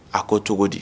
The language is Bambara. A ko cogo di